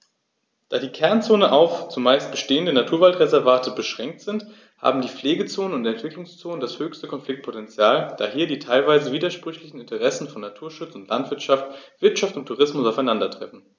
Da die Kernzonen auf – zumeist bestehende – Naturwaldreservate beschränkt sind, haben die Pflegezonen und Entwicklungszonen das höchste Konfliktpotential, da hier die teilweise widersprüchlichen Interessen von Naturschutz und Landwirtschaft, Wirtschaft und Tourismus aufeinandertreffen.